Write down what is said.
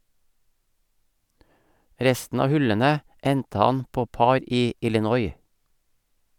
Resten av hullene endte han på par i Illinois.